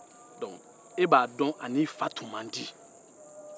e b'a dɔn a n'i fa tun man di